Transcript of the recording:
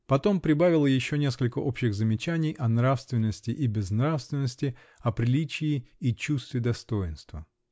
Потом прибавил еще несколько общих замечаний о нравственности и безнравственности, о приличии и чувстве достоинства!